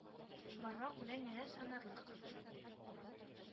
Бармак белән генә санарлык.